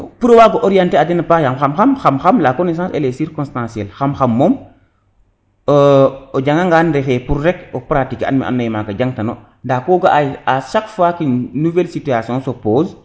pour o wago orienter aden a paax yaam xam xam la connaissance il est circonstanciel xam xam moom o janga ngan refe pour rek pour o pratiquer an me ando naye maga janga tano nda ko gaye a chaque fois qu ' une nouvelle situation s' oppose